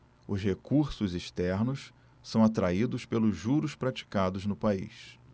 os recursos externos são atraídos pelos juros praticados no país